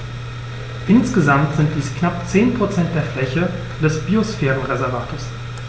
Insgesamt sind dies knapp 10 % der Fläche des Biosphärenreservates.